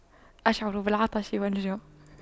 اشعر بالعطش والجوع